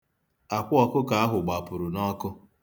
Akwa ọkụkọ ahụ gbapụrụ n'ọkụ.